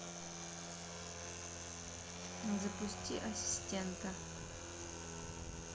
запусти ассистента